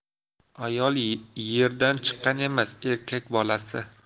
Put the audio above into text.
ayol yerdan chiqqan emas erkak bolasi